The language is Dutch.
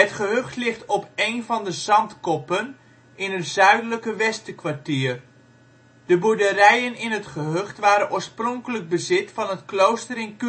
gehucht ligt op een van de zandkoppen in het zuidelijke Westerkwartier. De boerderijen in het gehucht waren oorspronkelijk bezit van het klooster in Kuzemer